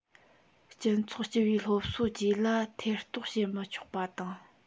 སྤྱི ཚོགས སྤྱི པའི སློབ གསོ བཅས ལ ཐེ གཏོགས བྱེད མི ཆོག པ དང